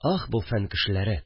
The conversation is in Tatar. Ах, бу фән кешеләре